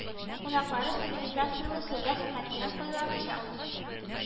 Кунаклары цивилизацияле сәүдә хезмәтеннән файдаланачак